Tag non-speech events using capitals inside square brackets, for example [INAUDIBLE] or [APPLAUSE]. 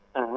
[HESITATION] [HESITATION]